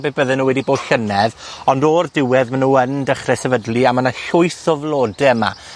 be' bydden nw wedi bod llynedd, ond o'r diwedd ma' nw yn dechre sefydlu a ma' 'na llwyth o flode yma.